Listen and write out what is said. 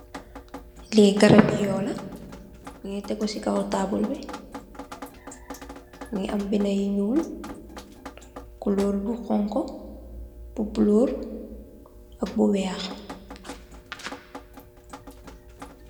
Li garabi yo la , mungi tegu si kaw tabul bi , mungi am binda yu nyul , culoor bu xonxu , bu bulur ak , bu wekh.